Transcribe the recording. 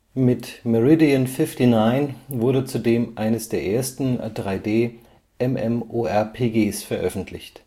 Mit Meridian 59 wurde zudem eines der ersten 3D-MMORPGs veröffentlicht